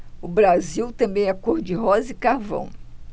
o brasil também é cor de rosa e carvão